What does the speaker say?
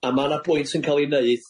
a ma' 'na bwynt yn ca'l 'i neud